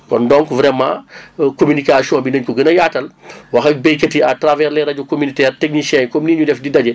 kon donc vraiment communication bi nañ ko gën a yaatal wax ak béykat yi à travers les rajo communautaires techniciens yi comme ni ñu def di daje